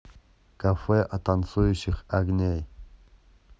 кафе танцующих огней